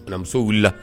Namuso wulila